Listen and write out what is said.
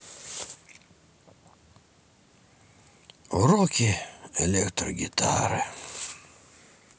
уроки электрогитары